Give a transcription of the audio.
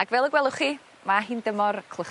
Ag fel y gwelwch chi ma' hi'n dymor clychau'r gog.